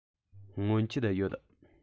སྔོན ཆད ཡོད